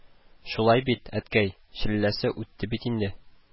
Шулай бит, әткәй, челләсе үтте бит инде